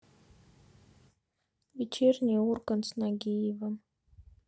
вечерний ургант с нагиевым